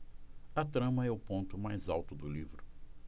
a trama é o ponto mais alto do livro